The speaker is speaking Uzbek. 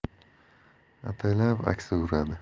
ataylab aksa uradi